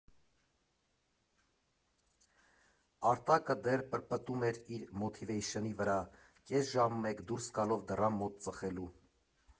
Արտակը դեռ պրպտում էր իր մոթիվեյշնի վրա՝ կես ժամը մեկ դուրս գալով դռան մոտ ծխելու։